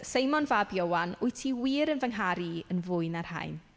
Seimon fab Ioan, wyt ti wir yn fy ngharu i yn fwy na rhain?